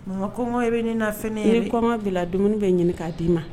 Mɔgɔ kɔngɔ e bɛ ne na fɛn e bɛ kɔma bila dumuni bɛ ɲininka k' d dii ma